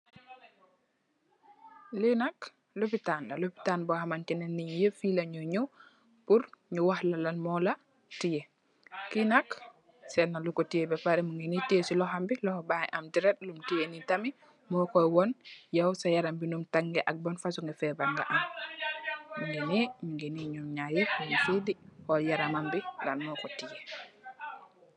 Lii nak lopitan la, lopitan bor hamanteh neh nitt njii yehp fii leh njui njow pur nju wakhla lan mola tiyeh, kii nak set na lukor tiyeh beh pareh mungy nii tiyeh cii lokham bii, lokhor baangy am dehret, lum tiyeh nii tamit mokoi won yow sa yaram bii num taangeh ak ban fasoni febarr nga am, mungy nii, mungy nii njom njarr yehp njung fii dii horl yaramam bii lan mokor tiyeh.